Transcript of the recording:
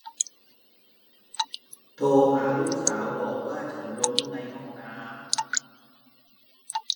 โทรหาลูกสาวบอกว่าฉันล้มในห้องน้ำ